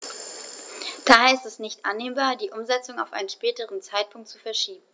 Daher ist es nicht annehmbar, die Umsetzung auf einen späteren Zeitpunkt zu verschieben.